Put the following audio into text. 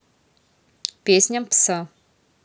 песня пса